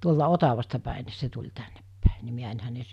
tuolta Otavasta päin niin se tuli tännepäin niin minä en hänen